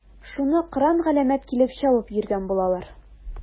Шуны кыран-галәмәт килеп чабып йөргән булалар.